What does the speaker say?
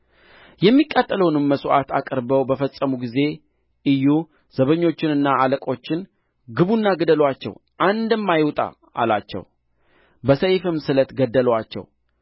የሚቃጠለውንም መሥዋዕት አቅርበው በፈጸሙ ጊዜ ኢዩ ዘበኞቹንና አለቆቹን ግቡና ግደሉአቸው አንድም አይውጣ አላቸው በሰይፍም ስለት ገደሉአቸው